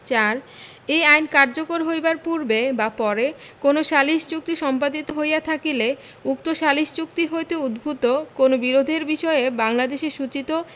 ৪ এই আইন কার্যকর হইবার পূর্বে বা পরে কোন সালিস চুক্তি সম্পাদিত হইয়া থাকিলে উক্ত সালিস চুক্তি হইতে উদ্ভুত কোন বিরোধের বিষয়ে বাংলাদেশে সূচিত